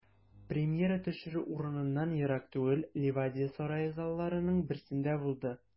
Премьера төшерү урыныннан ерак түгел, Ливадия сарае залларының берсендә булды.